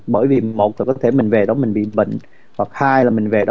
bởi vì một từ có thể mình về đó mình bị bệnh hoặc hai là mình về